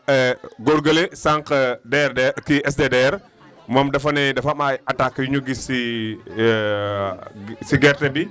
góor gële sànq DRDR kii SDDR moom dafa ne dafa am ay attaques yu ñu gis si si gerte bi